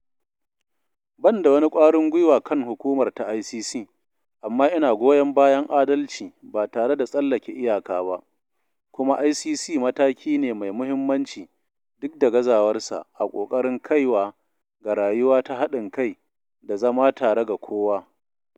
Ban da wani ƙwarin gwiwa kan hukumar ta ICC, amma ina goyon bayan adalci ba tare da tsallake iyaka ba, kuma ICC mataki ne mai muhimmanci (duk da gazawar sa) a ƙoƙarin kaiwa ga rayuwa ta haɗin kai da zama tare ga kowa.